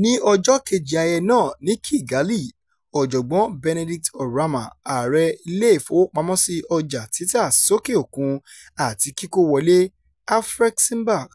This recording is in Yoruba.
Ní ọjọ́ kejì ayẹyẹ náà ní Kigali, ọ̀jọ̀gbọ́n Benedict Oramah, ààrẹ Ilé-ìfowópamọ́sí Ọjà títa sókè òkun-àti-kíkó wọlé (Afreximbank)